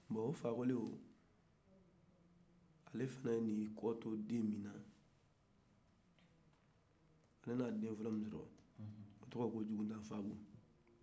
bon fakoli ale fana ye kɔ to den nin na a den fɔlɔ o tɔgɔ de ye ko jugunanfabu